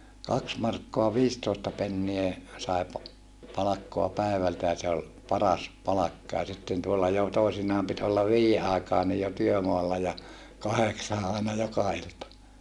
kaksi markkaa viisitoista penniä sai - palkkaa päivältä ja se oli paras palkka ja sitten tuolla jo toisinaan piti olla viiden aikaankin jo työmaalla ja kahdeksaan aina joka ilta